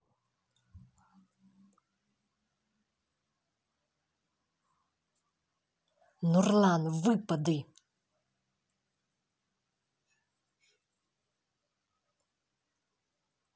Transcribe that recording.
нурлан выпады